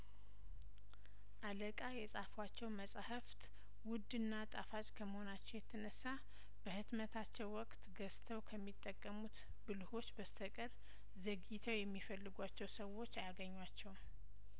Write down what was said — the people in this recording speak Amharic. አለቃ የጻፏቸው መጽሀፍት ውድና ጣፋጭ ከመሆናቸው የተነሳ በህትመታቸው ወቅት ገዝተው ከሚጠቀሙት ብልህዎች በስተቀር ዘግይተው የሚፈልጓቸው ሰዎች አያገኟቸውም